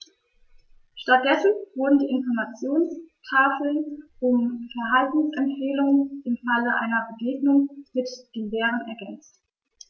Stattdessen wurden die Informationstafeln um Verhaltensempfehlungen im Falle einer Begegnung mit dem Bären ergänzt.